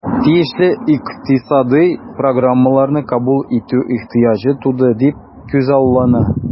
Тиешле икътисадый программаларны кабул итү ихтыяҗы туды дип күзаллана.